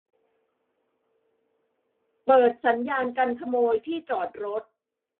เปิดสัญญาณกันขโมยที่จอดรถ